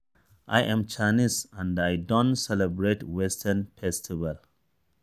2. I am Chinese and I don’t celebrate Western festivals.